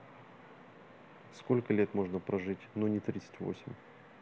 сколько лет можно прожить но не тридцать восемь